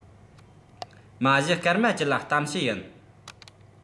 མ གཞི སྐར མ བཅུ ལ གཏམ བཤད ཡིན